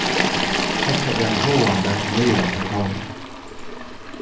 hetta er ein háðandi og niðrandi tóni